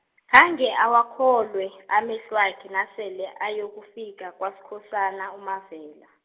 khange awakholwe, amehlwakhe nasele ayokufika kwaSkhosana uMavela.